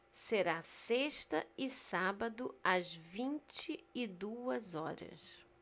será sexta e sábado às vinte e duas horas